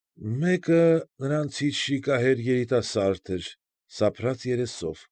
Մեկը նրանցից շիկահեր երիտասարդ էր՝ սափրած երեսով։